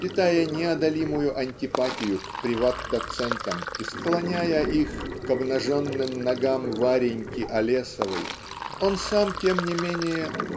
Питая неодолимую антипатию к приват-доцентам и склоняя их к обнаженным ногам Вареньки Олесовой он сам тем не менее